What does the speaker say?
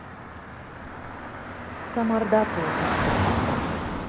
Самарда туып үстем.